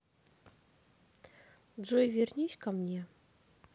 джой вернись ко мне